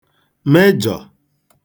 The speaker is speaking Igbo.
mejọ̀